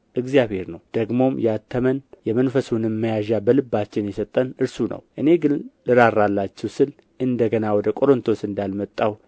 እግዚአብሔር ነው ደግሞም ያተመን የመንፈሱንም መያዣ በልባችን የሰጠን እርሱ ነው እኔ ግን ልራራላችሁ ስል እንደ ገና ወደ ቆሮንቶስ እንዳልመጣሁ